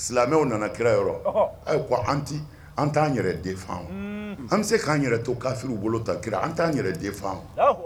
Silamɛw nana kira yɔrɔ ayiwa ko an tɛ an t'an yɛrɛ den fan an bɛ se k'an yɛrɛ to kafiriw bolo ta kira an' anan yɛrɛ den fan